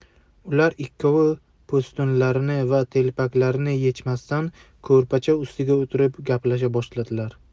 ular ikkovi po'stinlarini va telpaklarini yechmasdan ko'rpacha ustida o'tirib gaplasha boshladilar